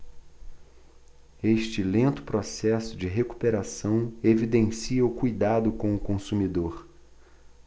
este lento processo de recuperação evidencia o cuidado com o consumidor